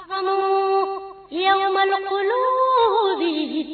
Mɔ yobadi